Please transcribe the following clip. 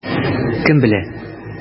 Кем белә?